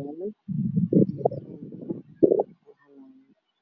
oo jiingad ah